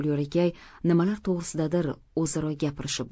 ular yo'l yo'lakay nimalar to'g'risidadir o'zaro gapirishib